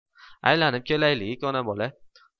aylanib kelaylik ona bola